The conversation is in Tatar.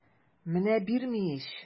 Менә бирми ич!